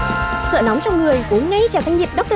sợ nóng trong người uống ngay trà thanh nhiệt đốc tơ